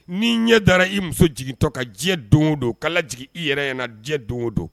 Ni ɲɛ dara i muso jigintɔ ka diɲɛ don o don kala jigin i yɛrɛy diɲɛ don o don